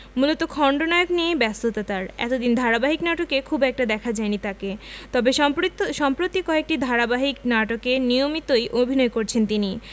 মূলত খণ্ডনায়ক নিয়েই ব্যস্ততা তার এতদিন ধারাবাহিক নাটকে খুব একটা দেখা যায়নি তাকে তবে সম্প্রিত সম্প্রতি কয়েকটি ধারাবাহিক নাটকে নিয়মিতই অভিনয় করছেন তিনি